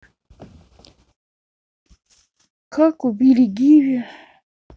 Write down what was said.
как убили гиви